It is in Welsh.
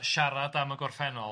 Siarad am y gorffennol.